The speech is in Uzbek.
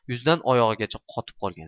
yuzidan oyog'igacha qotib qolgan